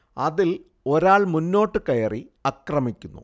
അതിൽ ഒരാൾ മുന്നോട്ടു കയറി അക്രമിക്കുന്നു